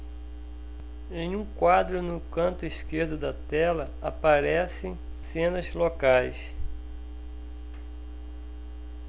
em um quadro no canto esquerdo da tela aparecem cenas locais